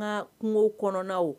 N ka kungo kɔnɔna